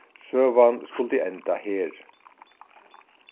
søgan skuldi enda her